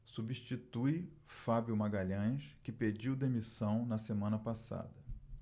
substitui fábio magalhães que pediu demissão na semana passada